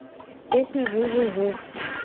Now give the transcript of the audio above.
песня жу жу жу